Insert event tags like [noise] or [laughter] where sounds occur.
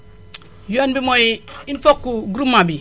[smacks lips] yoon bi mooy il faut que groupement bi